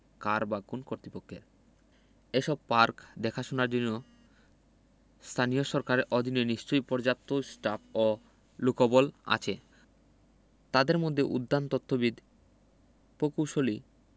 কার বা কোন্ কর্তৃপক্ষের এসব পার্ক দেখাশোনার জন্য স্থানীয় সরকারের অধীনে নিশ্চয়ই পর্যাপ্ত স্টাফ ও লোকবল আছে তাদের মধ্যে উদ্যানতত্ত্ববিদ প্রকৌশলী